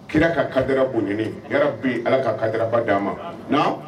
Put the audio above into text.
Kira ka kadira bon ɲini bi ala ka kadira ba di a ma